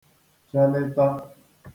chelịta